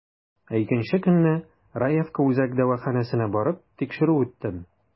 Ә икенче көнне, Раевка үзәк дәваханәсенә барып, тикшерү үттем.